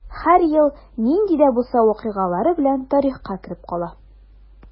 Һәр ел нинди дә булса вакыйгалары белән тарихка кереп кала.